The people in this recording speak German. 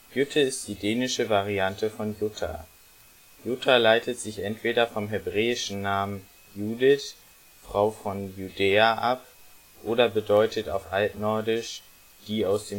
Jytte ist die dänische Variante von Jutta. Jutta leitet sich entweder vom hebräischen Namen Judith (Frau von Judäa) ab oder bedeutet auf Altnordisch die aus